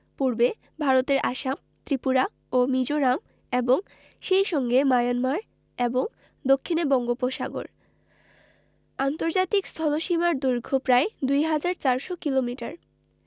পূর্বে ভারতের আসাম ত্রিপুরা ও মিজোরাম এবং সেই সঙ্গে মায়ানমার এবং দক্ষিণে বঙ্গোপসাগর আন্তর্জাতিক স্থলসীমার দৈর্ঘ্য প্রায় ২হাজার ৪০০ কিলোমিটার